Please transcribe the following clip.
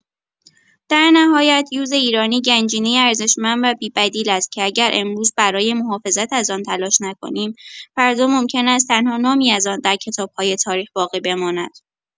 در نهایت، یوز ایرانی گنجینه‌ای ارزشمند و بی‌بدیل است که اگر امروز برای محافظت از آن تلاش نکنیم، فردا ممکن است تنها نامی از آن در کتاب‌های تاریخ باقی بماند.